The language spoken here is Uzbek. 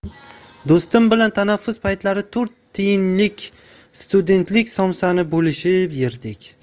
do'stim bilan tanaffus paytlari to'rt tiyinlik studentlik somsasini bo'lishib yerdik